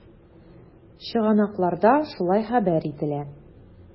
Чыганакларда шулай хәбәр ителә.